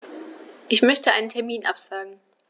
Ich möchte einen Termin absagen.